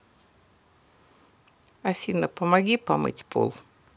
афина помоги помыть пол